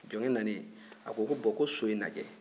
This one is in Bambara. jɔnkɛ nanen a ko ko bɔn ko so in lajɛ